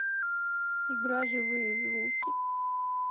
игра живые звуки